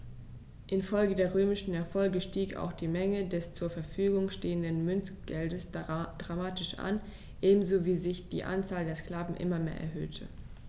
Infolge der römischen Erfolge stieg auch die Menge des zur Verfügung stehenden Münzgeldes dramatisch an, ebenso wie sich die Anzahl der Sklaven immer mehr erhöhte.